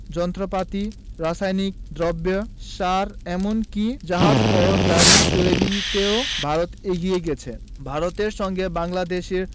যন্ত্রপাতি রাসায়নিক দ্রব্য সার এমন কি জাহাজ ও গাড়ি তৈরিতেও ভারত এগিয়ে গেছে ভারতের সঙ্গে বাংলাদেশের